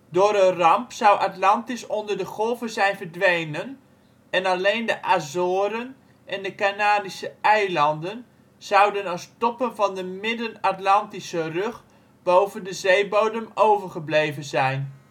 Door een ramp zou Atlantis onder de golven zijn verdwenen en alleen de Azoren en de Canarische Eilanden, zouden als toppen van de Midden-Atlantische Rug boven de zeebodem overgebleven zijn